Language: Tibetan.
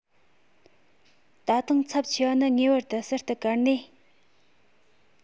ད དུང ཚབས ཆེ བ ནི ངེས པར དུ ཟུར དུ བཀར ནས